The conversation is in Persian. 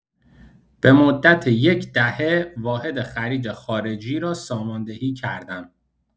به مدت یک دهه واحد خرید خارجی را ساماندهی کردم.